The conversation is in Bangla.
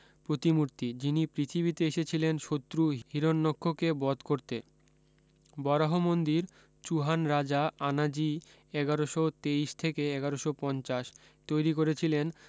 প্রতিমূর্তি যিনি পৃথিবীতে এসেছিলেন শত্রু হিরণ্যক্ষকে বধ করতে বরাহ মন্দির চুহান রাজা আনাজি এগারশ তেইশ থেকে এগারশ পঞ্চাশ তৈরী করেছিলেন